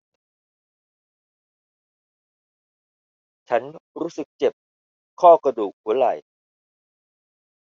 ฉันรู้สึกเจ็บข้อกระดูกหัวไหล่